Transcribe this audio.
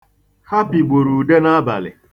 Ha pịgburu Ude n'abalị.